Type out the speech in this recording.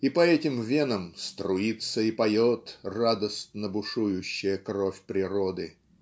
и по этим венам "струится и поет радостно бушующая кровь природы".